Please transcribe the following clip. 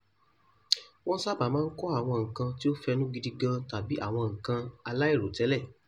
Wọ́n sábà máa ń kọ́ àwọn nǹkan tí ó fẹnú gidi gan tàbí àwọn nǹkan aláìròtẹ́lẹ̀.